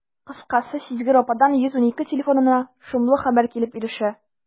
Кыскасы, сизгер ападан «112» телефонына шомлы хәбәр килеп ирешә.